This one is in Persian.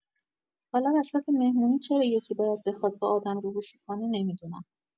حالا وسط مهمونی چرا یکی باید بخواد با آدم روبوسی کنه، نمی‌دونم!